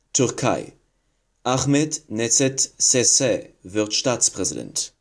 Türkei: Ahmet Necdet Sezer wird Staatspräsident